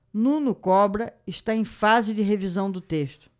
nuno cobra está em fase de revisão do texto